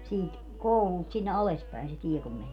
siitä koululta sinne alas päin se tie kun menee